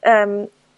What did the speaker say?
yym